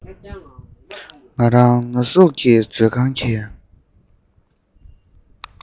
ང རང ན ཟུག གིས མཛོད ཁང གི